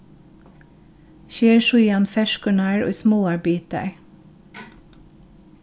sker síðani ferskurnar í smáar bitar